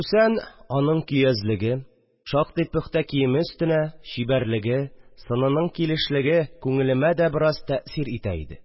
Хосусән аның көязлеге, шактый пөхтә киеме өстенә чибәрлеге, сынының килешлеге күңелемә дә бераз тәэсир итә иде